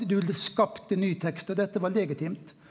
du skapte nye tekstar og dette var legitimt.